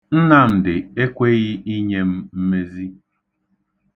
Nnamdị ekweghị inye m mmezi.